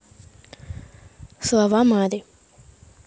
слава мари